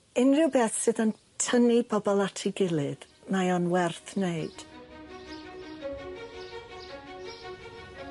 Unrhyw beth sydd yn tynnu pobol at ei gilydd mae o'n werth neud.